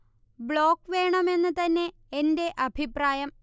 block വേണം എന്നു തന്നെ എന്റെ അഭിപ്രായം